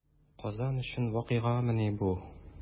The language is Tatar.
Казан өчен вакыйгамыни бу?